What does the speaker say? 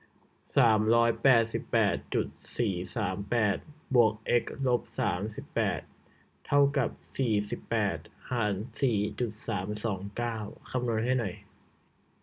สามร้อยแปดสิบแปดจุดสี่สามแปดบวกเอ็กซ์ลบสามสิบแปดเท่ากับสี่สิบแปดหารสี่จุดสามสองเก้าคำนวณให้หน่อย